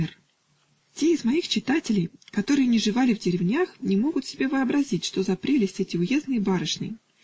Р. Те из моих читателей, которые не живали в деревнях, не могут себе вообразить, что за прелесть эти уездные барышни!